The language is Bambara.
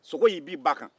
sogo y'i bin ba kan